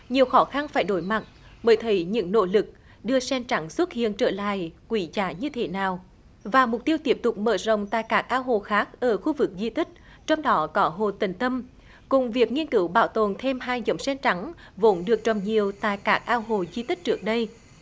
nhiều khó khăn phải đối mặt mới thấy những nỗ lực đưa sen trắng xuất hiện trở lại quý giá như thế nào và mục tiêu tiếp tục mở rộng tại các ao hồ khác ở khu vực di tích trong đó có hồ tịnh tâm cùng việc nghiên cứu bảo tồn thêm hai giống sen trắng vốn được trồng nhiều tại các ao hồ di tích trước đây